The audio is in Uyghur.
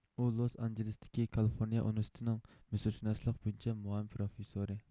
ئۇ لوس ئانژېلېستىكى كالىفورنىيە ئۇنىۋېرسىتېتىنىڭ مىسىرشۇناسلىق بويىچە مۇئاۋىن پروفېسسورى